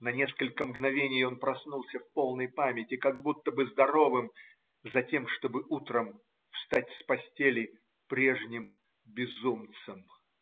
На несколько мгновений он проснулся в полной памяти, как будто бы здоровым, затем чтобы утром встать с постели прежним безумцем.